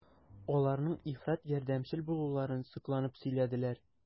Аларның ифрат ярдәмчел булуларын сокланып сөйләделәр.